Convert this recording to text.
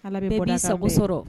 Ala bɛ bɔdasagosɔ rɔ